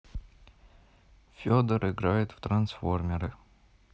федор играет в трансформеры